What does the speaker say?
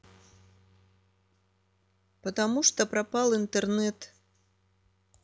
потому что пропал интернет